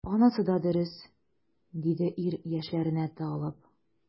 Анысы да дөрес,— диде ир, яшьләренә тыгылып.